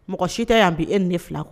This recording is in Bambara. Mɔgɔ si tɛ yan bi e ni ne fila kɔ